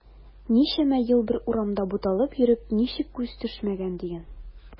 Ничәмә ел бер урамда буталып йөреп ничек күз төшмәгән диген.